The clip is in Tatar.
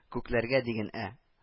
Күкләргә диген, ә